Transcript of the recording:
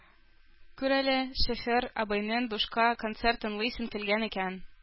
Күр әле, шофер абыйның бушка концерт тыңлыйсы килгән икән